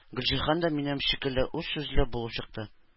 Гөлҗиһан да минем шикелле үзсүзле булып чыкты.